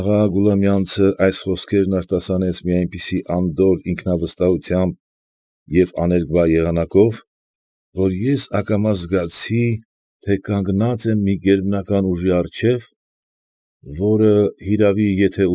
Աղա Գուլամյանցը այս խոսքերն արտասանեց մի այնպիսի անդորր ինքնավստահությամբ և աներկբա եղանակով, որ ես ակամա զգացի, թե կանգնած եմ մի գերբնական ուժի առջև, որը, հիրավի, եթե։